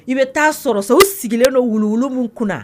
I bɛ taa sɔrɔ so u sigilen don wululu minnu kunna